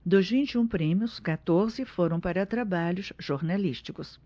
dos vinte e um prêmios quatorze foram para trabalhos jornalísticos